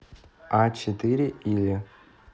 а четыре или